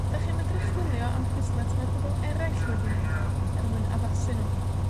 'Dych chi'n medru chwilio am Quizlet mae pobol eraill wedi wneud, er mwyn addasu nw.